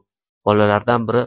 bolalardan biri